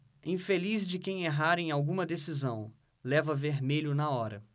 infeliz de quem errar em alguma decisão leva vermelho na hora